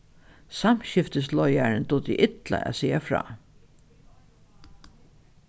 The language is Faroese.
samskiftisleiðarin dugdi illa at siga frá